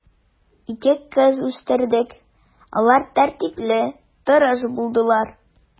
Ике кыз үстердек, алар тәртипле, тырыш булдылар.